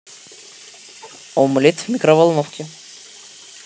омлет в микроволновке